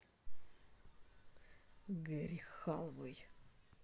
гэри халвой